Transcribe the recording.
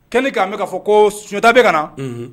Kɛ k' bɛ' fɔ ko sunjatatabe ka na